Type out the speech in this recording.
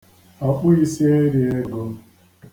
ọ̀kpụīsīerīēgō